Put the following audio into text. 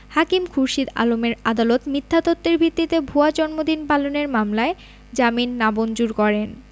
হাকিম খুরশীদ আলমের আদালত মিথ্যা তথ্যের ভিত্তিতে ভুয়া জন্মদিন পালনের মামলায় জামিন নামঞ্জুর করেন